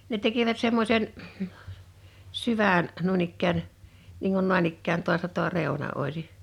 ne tekivät semmoisen syvän noin ikään niin kuin noin ikään tuosta tuo reuna olisi